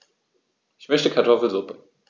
Ich möchte Kartoffelsuppe.